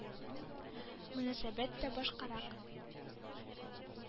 Мөнәсәбәт тә башкарак.